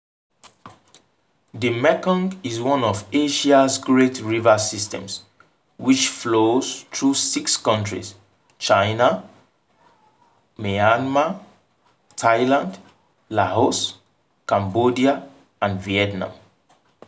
The Mekong is one of Asia’s great river systems which flows through six countries: China, Myanmar, Thailand, Laos, Cambodia, and Vietnam.